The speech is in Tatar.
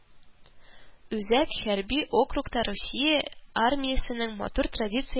Үзәк хәрби округта Русия армиясенең матур традицияләрен лаеклы